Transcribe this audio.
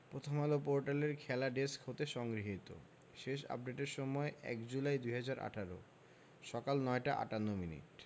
প্রথমআলো পোর্টালের খেলা ডেস্ক হতে সংগৃহীত শেষ আপডেটের সময় ১ জুলাই ২০১৮ সকাল ৯টা ৫৮মিনিট